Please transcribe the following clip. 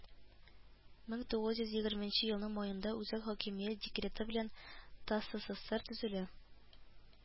Мең тугыз йөз егерменче елның маенда үзәк хакимият декреты белән тасэсэсэр төзелә